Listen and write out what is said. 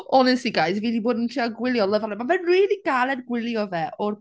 Honestly, guys, fi 'di bod yn trial gwylio Love Island. Ma' fe'n rili galed gwylio fe o'r...